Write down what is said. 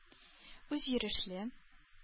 Үзйөрешле